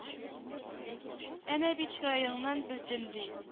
Әнә бит чыраеңнан белдем ди